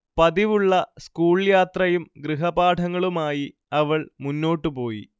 പതിവുള്ള school യാത്രയും ഗൃഹപാഠങ്ങളുമായി അവൾ മുന്നോട്ടുപോയി